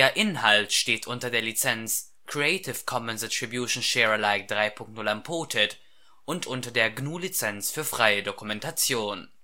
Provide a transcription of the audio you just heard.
Inhalt steht unter der Lizenz Creative Commons Attribution Share Alike 3 Punkt 0 Unported und unter der GNU Lizenz für freie Dokumentation